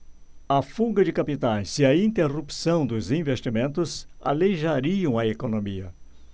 a fuga de capitais e a interrupção dos investimentos aleijariam a economia